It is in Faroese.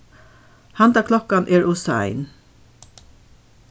handa klokkan er ov sein